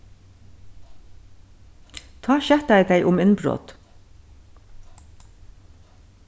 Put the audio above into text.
tá skettaði tey um innbrotið